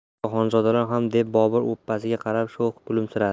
hatto xonzodalar ham deb bobur opasiga qarab sho'x kulimsiradi